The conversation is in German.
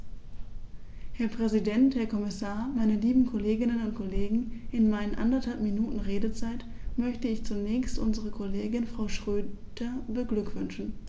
Herr Präsident, Herr Kommissar, meine lieben Kolleginnen und Kollegen, in meinen anderthalb Minuten Redezeit möchte ich zunächst unsere Kollegin Frau Schroedter beglückwünschen.